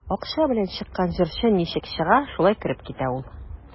Акча белән чыккан җырчы ничек чыга, шулай кереп китә ул.